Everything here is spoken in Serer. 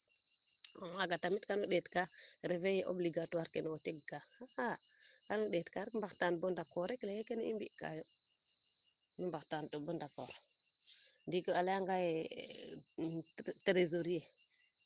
o xaaga tam kan ndeet kaa refeeye obligatoire kene o teg kaa gan ndet ka rek mbaxtan bo d' accord kene i mbi kaayo nu mbaxtaan ten bo d' accord ndiiki a leya ngaye tresorier tresorier